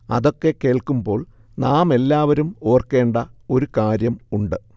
അതൊക്കെ കേൾക്കുമ്പോൾ നാമെല്ലാവരും ഓർക്കേണ്ട ഒരു കാര്യം ഉണ്ട്